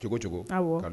Cogo cogo